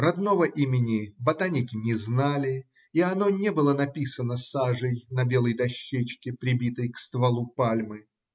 Родного имени ботаники не знали, и оно не было написано сажей на белой дощечке, прибитой к стволу пальмы.